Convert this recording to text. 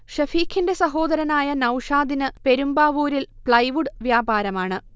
ഷെഫീഖിന്റെ സഹോദരനായ നൗഷാദിന് പെരുമ്ബാവൂരിൽ പ്ലൈവുഡ് വ്യാപാരമാണ്